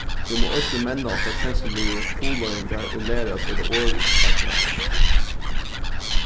vit mugu eisini menna okkara kensluligu hugleiðingar og læra at seta orð á tær